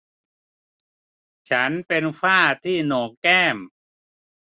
ฉันเป็นฝ้าที่โหนกแก้ม